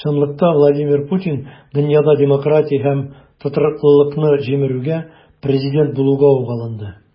Чынлыкта Владимир Путин дөньяда демократия һәм тотрыклылыкны җимерүгә президент булуга ук алынды.